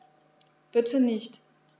Bitte nicht.